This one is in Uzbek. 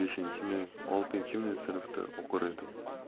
beshinchimi oltinchimi sinfda o'qir edim